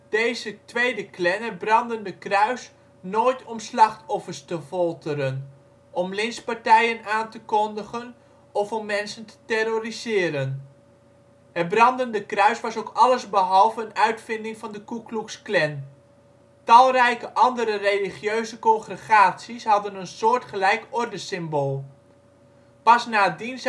deze tweede Klan het brandende kruis nooit om slachtoffers te folteren, om lynchpartijen aan te kondigen of om mensen te terroriseren. Het brandende kruis was ook allesbehalve een uitvinding van de Ku Klux Klan. Talrijke andere religieuze congregaties hadden een soortgelijk ordesymbool. Pas nadien